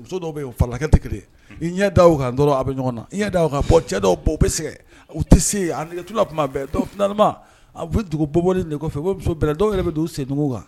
Muso dɔw bɛ yen falakɛ tɛ kelen ɲɛ da ka dɔrɔn a bɛ ɲɔgɔn na ɲɛ da ka fɔ cɛ dɔw bɛ segin u tɛ se ani tula tuma bɛnma a bɛ dugu bɔoli de kɔfɛ dɔw yɛrɛ bɛ don u sendugu kan